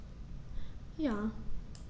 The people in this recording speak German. Ja.